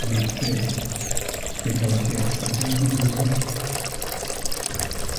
Mewn ffurf lle gafodd De Affrica 'i brifo.